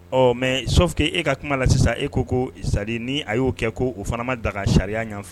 Ɔ mɛ soffinke e ka kuma la sisan e ko ko za ni a y'o kɛ ko o fana ma daga sariya ɲɔgɔnfɛ